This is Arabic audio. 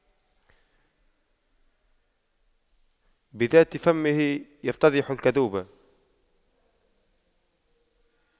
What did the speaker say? بذات فمه يفتضح الكذوب